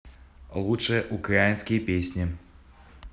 лучшие украинские песни